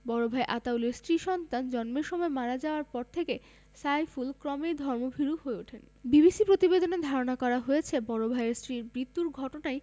বড় ভাই আতাউলের স্ত্রী সন্তান জন্মের সময় মারা যাওয়ার পর থেকে সাইফুল ক্রমেই ধর্মভীরু হয়ে ওঠেন বিবিসির প্রতিবেদনে ধারণা করা হয়েছে বড় ভাইয়ের স্ত্রীর মৃত্যুর ঘটনাই